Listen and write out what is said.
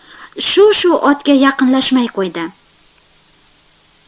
shu shu otga yaqinlashmay qo'ydi